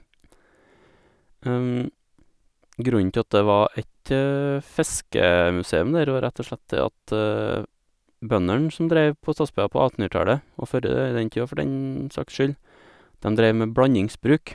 Grunnen til at det var et fiskemuseum der var rett og slett det at bøndene som dreiv på Stadsbygda på attenhundretallet, og før den tid, for den saks skyld, dem dreiv med blandingsbruk.